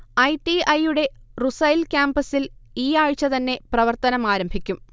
I. T. I യുടെ Rusayl ക്യാപസിൽ ഈയാഴ്ച്ച തന്നെ പ്രവർത്തനം ആരംഭിക്കും